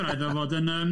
Alla i fod yn yym.